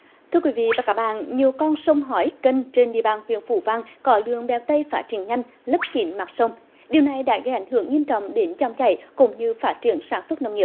thưa quý vị và các bạn nhiều con sông hỏi kênh trên địa bàn huyện phú vang có lượng bèo tây phát triển nhanh lấp kín mặt sông điều này đã gây ảnh hưởng nghiêm trọng đến dòng chảy cũng như phát triển sản xuất nông nghiệp